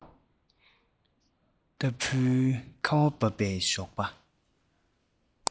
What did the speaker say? ལྟ བུའི ཁ བ བབས པའི ཞོགས པ